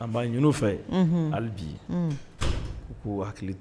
A' b'a ɲini fɛ, unhun, hali bi u k'u hakili to